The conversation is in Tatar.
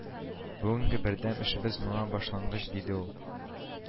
Бүгенге бердәм эшебез моңа башлангыч, диде ул